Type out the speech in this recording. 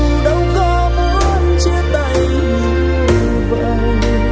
đâu có muốn chia tay như vậy